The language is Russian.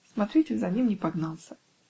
" Смотритель за ним не погнался.